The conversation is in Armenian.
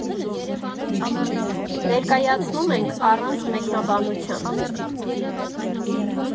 Ներկայացնում ենք առանց մեկնաբանության.